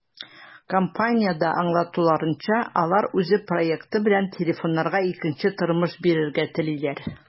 Компаниядә аңлатуларынча, алар үз проекты белән телефоннарга икенче тормыш бирергә телиләр.